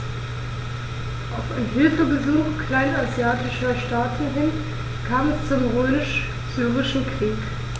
Auf ein Hilfegesuch kleinasiatischer Staaten hin kam es zum Römisch-Syrischen Krieg.